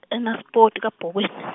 e- Naspoti, kaBokweni.